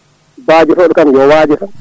bajotoɗo kam yo waajo tan